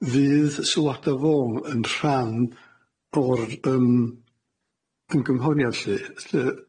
fydd sylwada' fo yn rhan o'r yym ymgynghoriad lly? Yy